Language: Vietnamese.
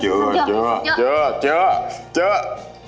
chưa chưa chưa chưa chưa